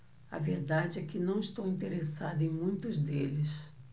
a verdade é que não estou interessado em muitos deles